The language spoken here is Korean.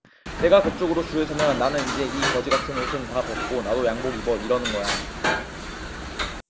내가 그쪽으로 줄을 서면 나는 이제 이 거지 같은 옷은 다 벗고 나도 양복 입어 이러는 거야